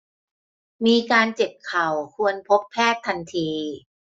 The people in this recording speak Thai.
มีการเจ็บเข่าควรพบแพทย์ทันที